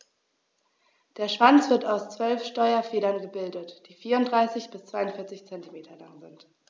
Der Schwanz wird aus 12 Steuerfedern gebildet, die 34 bis 42 cm lang sind.